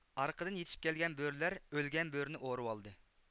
ئارقىدىن يېتىشىپ كەلگەن بۆرىلەر ئۆلگەن بۆرىنى ئورىۋالدى